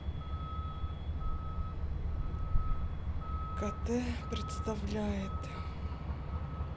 котэ представляет